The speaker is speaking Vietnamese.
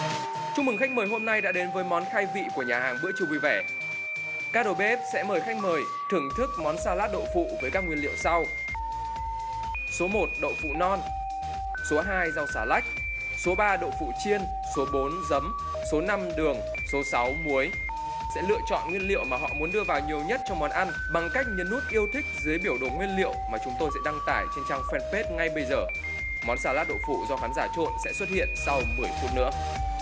chúc mừng khách mời hôm nay đã đến với món khai vị của nhà hàng bữa trưa vui vẻ các đầu bếp sẽ mời khách mời thưởng thức món sa lát đậu phụ với các nguyên liệu sau số một đậu phụ non số hai rau xà lách số ba đậu phụ chiên số bốn giấm số năm đường số sáu muối sẽ lựa chọn nguyên liệu mà họ muốn đưa vào nhiều nhất cho món ăn bằng cách nhấn nút yêu thích dưới biểu đồ nguyên liệu mà chúng tôi sẽ đăng tải trên trang phan bết ngay bây giờ món sa lát đậu phụ do khán giả trộn sẽ xuất hiện sau mười phút nữa